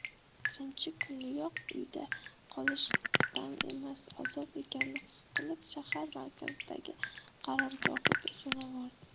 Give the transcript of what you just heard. birinchi kuniyoq uyda qolish dam emas azob ekanini his qilib shahar markazidagi qarorgohiga jo'navordi